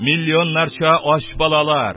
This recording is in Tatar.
Миллионнарча ач балалар,